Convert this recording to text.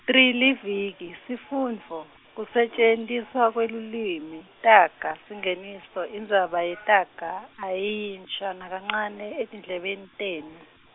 three Liviki, sifundvo, kusetjentiswa kwelulwimi, taga, singeniso, indzaba yetaga ayiyinsha nakancane etindlebeni tenu.